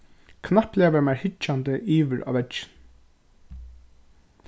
knappliga var mær hyggjandi yvir á veggin